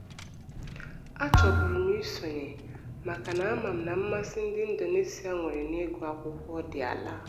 Achọburu m ịsonye maka na ama m na mmasị ndị Indonesia nwere n'ịgụ akwụkwọ dị ala.